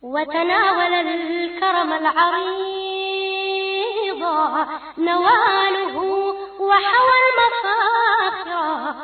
Wadu wakɔrɔ bɔ naamubugu wa ma